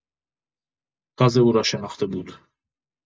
تازه او را شناخته بود.